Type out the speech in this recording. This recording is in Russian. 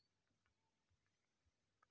секс фильмы